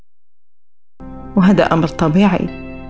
وهذا امر طبيعي